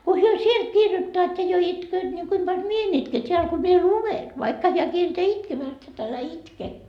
kun he sieltä kirjoittavat ja jo itkevät niin kuinka paljon minä en itke täällä kun minä luen vaikka hän kieltää itkemästä että älä itke